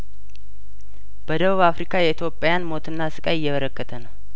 በደቡብ አፍሪካ የኢትዮጵያን ሞትና ስቃይእየበረከተ ነው